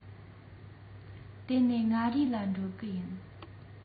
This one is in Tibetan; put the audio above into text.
དེ ནས མངའ རིས ལ འགྲོ གི ཡིན